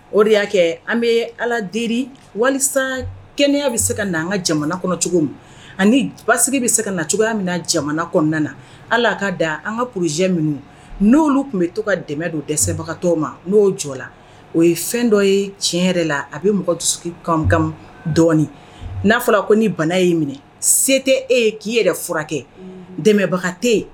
O de y'a kɛ an bɛ ala den walisa kɛnɛyaya bɛ se ka na an ka jamana kɔnɔ cogo ma ani basi bɛ se ka na cogoya min na jamana kɔnɔna na ala ka da an ka pzjɛ minnu n'olu tun bɛ to ka dɛmɛ don dɛsɛbagatɔ ma n'o jɔ la o ye fɛn dɔ ye tiɲɛ yɛrɛ la a bɛ mɔgɔ dusu dɔɔnini n'a fɔra ko ni bana y'i minɛ se tɛ e ye k'i yɛrɛ yɛrɛ furakɛ dɛmɛbagate